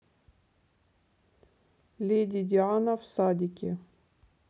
леди диана в садике